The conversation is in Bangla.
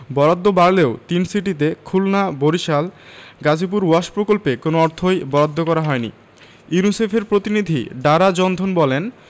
বরাদ্দ বাড়লেও তিন সিটিতে খুলনা বরিশাল গাজীপুর ওয়াশ প্রকল্পে কোনো অর্থই বরাদ্দ করা হয়নি ইউনিসেফের প্রতিনিধি ডারা জনথন বলেন